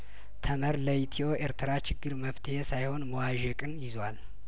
ተመድ ለኢትዮ ኤርትራ ችግር መፍትሄ ሳይሆን መዋዠቅን ይዟል